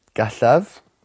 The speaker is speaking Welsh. Gallaf.